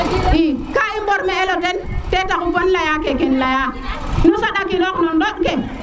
i ka i mbor me elo ten ten taxu bom leya ke kem leya nu sa nda kinox no ɗoɗ ke